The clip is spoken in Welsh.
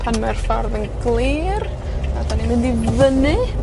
Pan mae'r ffordd yn glir, a 'dan ni'n mynd fyny.